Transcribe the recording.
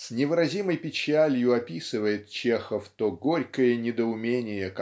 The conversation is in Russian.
С невыразимой печалью описывает Чехов то горькое недоумение